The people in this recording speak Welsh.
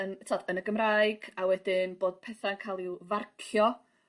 yn t'od yn y Gymraeg a wedyn bod petha'n ca'l i'w farcio